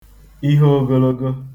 ihe ogologo